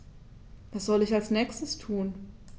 Was soll ich als Nächstes tun?